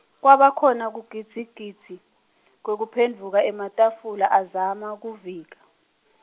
kwaba khona bugidzigidzi, kwaphendvuka ematafula azama kuvika.